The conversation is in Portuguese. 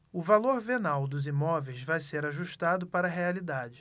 o valor venal dos imóveis vai ser ajustado para a realidade